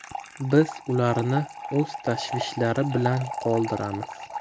biz ularni o'z tashvishlari bilan qoldiramiz